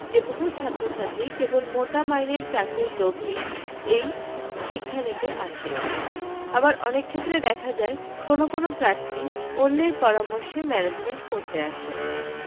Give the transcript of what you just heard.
যে বহু ছাত্রছাত্রী কেবল মোটা মাইনের চাকরীর লোভই এই শিক্ষা নিতে আসে আবার অনেক ক্ষেত্রে দেখা যায় কোনও কোনও প্রার্থী অন্যের পরামর্শে ম্যানেজমেন্ট পড়তে আসে